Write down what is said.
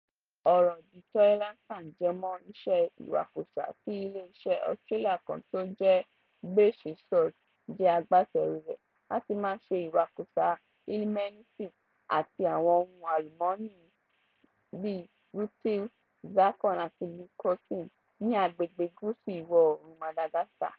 Ọ̀rọ̀ The Toliara Sand jẹmọ́ iṣẹ́ ìwakùsà tí iléeṣé Australia kan tó ń jẹ́ Base Resources jẹ́ agbáterù rẹ̀ láti máa ṣe ìwakùsà ilmenite àti àwọn ohun àlùmọ́nì(rutile, zircon and leucoxene) ní agbègbè gúsù ìwọ̀-oòrùn Madagascar.